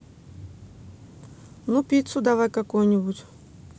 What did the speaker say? ну пиццу давай какую нибудь